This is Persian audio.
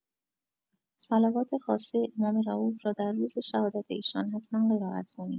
صلوات خاصه امام رئوف را در روز شهادت ایشان حتما قرائت کنیم.